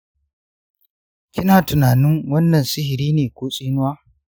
kina tunanin wannan sihiri ne ko tsinuwa?